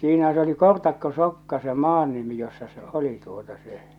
siinä se oli Kortakkosokka se maan nimi jossa se oli tuota se